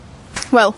Wel,